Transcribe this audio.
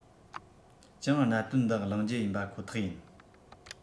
ཀྱང གནད དོན འདི གླེང རྒྱུ ཡིན པ ཁོ ཐག ཡིན